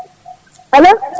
alo